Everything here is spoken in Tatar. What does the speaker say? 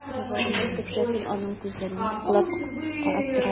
Револьвер көпшәсе аның күзләренә мыскыллап карап тора иде.